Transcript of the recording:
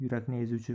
yurakni ezuvchi